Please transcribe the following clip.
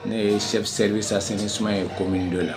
Ne ye se sa sini ni suma ye ko minido la